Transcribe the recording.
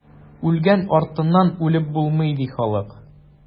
Үлгән артыннан үлеп булмый, ди халык.